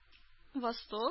Восток